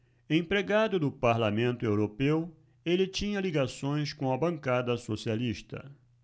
empregado do parlamento europeu ele tinha ligações com a bancada socialista